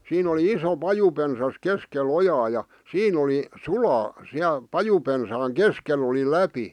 siinä oli iso pajupensas keskellä ojaa ja siinä oli sulaa siellä pajupensaan keskellä oli läpi